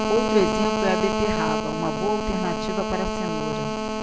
outro exemplo é a beterraba uma boa alternativa para a cenoura